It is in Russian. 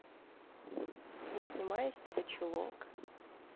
я снимаю с тебя чулок